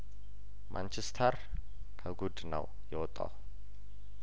ማንቸስተር ከጉድ ነው የወጣው